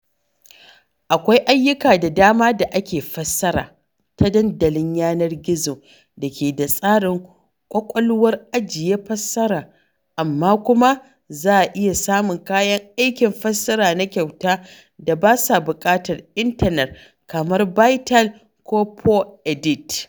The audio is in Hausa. Akwai ayyuka da dama da ake fassara ta dandalolin yanar gizo da ke da tsarin ƙwaƙwalwar ajiye fassara, amma kuma za ka iya samun kayan aikin fassara na kyauta da ba sa buƙatar intanet kamar Virtaal ko Poedit.